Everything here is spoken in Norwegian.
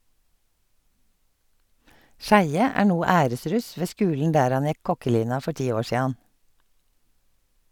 Skeie er no æresruss ved skulen der han gjekk kokkelina for ti år sidan.